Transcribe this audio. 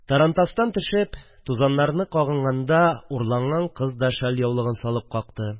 Тарантастан төшеп тузаннарны кагынганда урланган кыз да шәльяулыгын салып какты